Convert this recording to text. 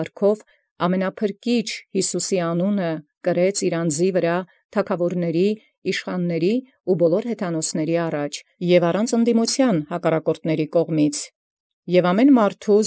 Գնացիւքն՝ առաջի թագաւորաց և իշխանաց և ամենայն հեթանոսաց և անընդդիմակաց ի հակառակորդաց՝ զամենափրկչին Յիսուսի անուն կրեաց յանձին։